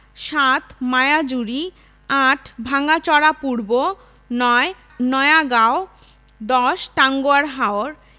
৭ মায়াজুরি ৮ ভাঙাচরা পূর্ব ৯ নয়াগাঁও ১০ টাঙ্গুয়ার হাওর